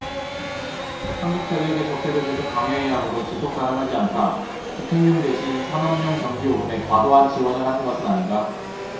한국전력에 적자를 계속 강요해야 하므로 지속 가능하지 않다 주택용 대신 산업용 전기요금에 과도한 지원을 하는 것은 아닌가